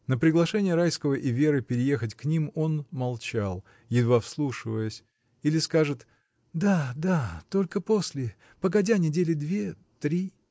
На приглашение Райского и Веры переехать к ним он молчал, едва вслушиваясь, или скажет: — Да, да, только после, погодя недели две. три.